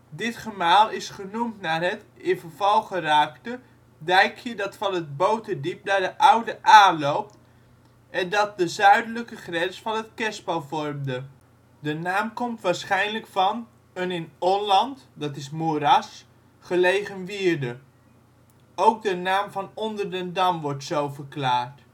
Dit gemaal is genoemd naar het (in verval geraakte) dijkje dat van het Boterdiep naar de Oude Ae loopt en dat de zuidelijke grens van het kerspel vormde. De naam komt van (waarschijnlijk) van: een in onland (= moeras) gelegen wierde. Ook de naam van Onderdendam wordt zo verklaard